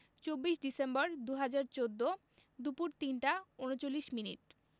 ২৪ December ২০১৪ দুপুর ৩টা ৩৯মিনিট